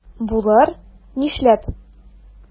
Булыр, нишләп?